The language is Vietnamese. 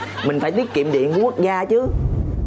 mình phải tiết kiệm điện quốc gia chứ